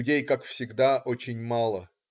Людей, как всегда, очень мало.